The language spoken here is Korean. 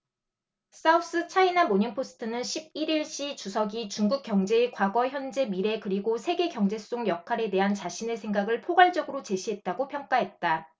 사우스차이나모닝포스트는 십 일 일 시 주석이 중국 경제의 과거 현재 미래 그리고 세계경제 속 역할에 대한 자신의 생각을 포괄적으로 제시했다고 평가했다